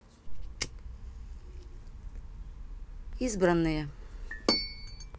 избранные